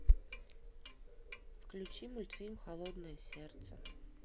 включи мультфильм холодное сердце